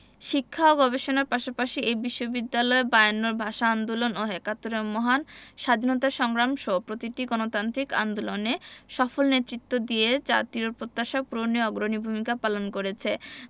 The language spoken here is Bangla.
শিক্ষা ও গবেষণার পাশাপাশি এ বিশ্ববিদ্যালয় বায়ান্নর ভাষা আন্দোলন ও একাত্তরের মহান স্বাধীনতা সংগ্রাম সহ প্রতিটি গণতান্ত্রিক আন্দোলনে সফল নেতৃত্ব দিয়ে জাতীয় প্রত্যাশা পূরণে অগ্রণী ভূমিকা পালন করেছে